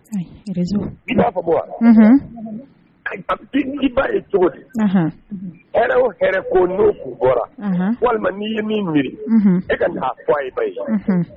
Ia fɔ ye cogo ko n bɔra walima n'i ye min miiri e ka taa ba ye